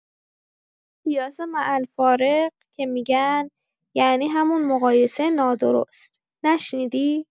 قیاس مع‌الفارق که می‌گن یعنی همون مقایسه نادرست، نشنیدی؟